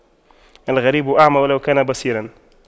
الغريب أعمى ولو كان بصيراً